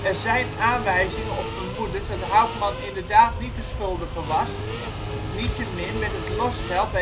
zijn aanwijzingen of vermoedens dat Hauptmann inderdaad niet de schuldige was (niettemin werd het losgeld